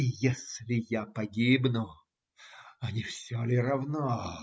И если я погибну, не все ли равно.